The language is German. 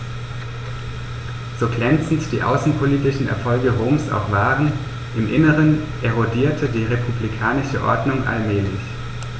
So glänzend die außenpolitischen Erfolge Roms auch waren: Im Inneren erodierte die republikanische Ordnung allmählich.